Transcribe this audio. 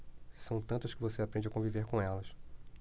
são tantas que você aprende a conviver com elas